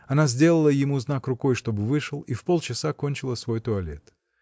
Она сделала ему знак рукой, чтоб вышел, и в полчаса кончила свой туалет.